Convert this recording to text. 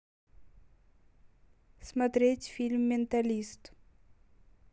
смотреть фильм менталист